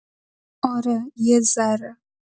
آره، یه ذره.